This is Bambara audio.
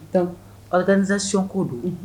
Don alazsacko don